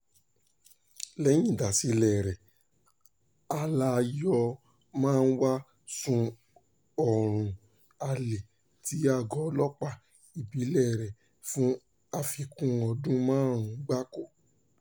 Lẹ́yìn ìdásílẹ̀ẹ rẹ̀, Alaa yóò máa wá sun oorun alẹ́ ní àgọ́ ọlọ́pàá ìbílẹ̀ẹ rẹ̀ fún àfikún ọdún márùn-ún gbáko.